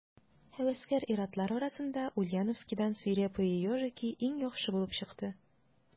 Һәвәскәр ир-атлар арасында Ульяновскидан «Свирепые ежики» иң яхшы булып чыкты.